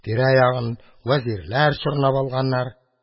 Тирә-ягын вәзирләр чорнап алганнар.